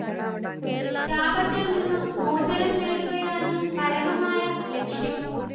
ശാപത്തിൽ നിന്നു മോചനം നേടുകയാണു പരമമായ ലക്ഷ്യം